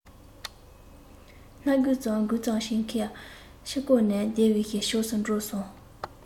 སྣ འགུལ ཙམ འགུལ ཙམ བྱེད ཁ ཕྱིར བསྐོར ནས སྡེ བའི ཕྱོགས སུ བྲོས སོང